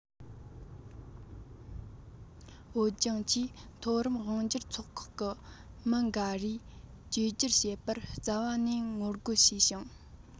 བོད ལྗོངས ཀྱི མཐོ རིམ དབང སྒྱུར ཚོགས ཁག གི མི འགའ རེས བཅོས སྒྱུར བྱེད པར རྩ བ ནས ངོ རྒོལ བྱས ཤིང